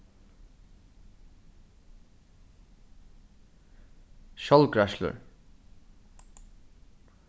sjálvgreiðslur